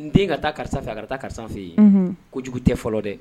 N den ka taa karisa ka taa karisa fɛ ye ko kojugu tɛ fɔlɔ dɛ